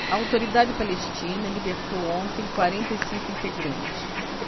a autoridade palestina libertou ontem quarenta e cinco integrantes